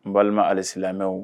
N balima halisimɛw